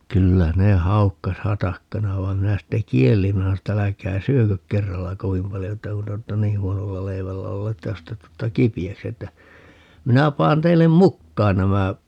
kyllä ne haukkasi hatakkana vaan minä sitten kielsin minä sanoin että älkää syökö kerralla kovin paljon että kun te olette niin huonolla leivällä olleet että jos te tulette kipeäksi että minä panen teille mukaan nämä